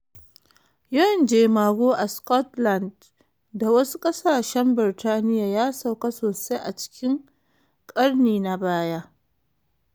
Yawan jemagu a Scotland da wasu ƙasashen Birtaniya ya sauka sosai a cikin ƙarni na baya.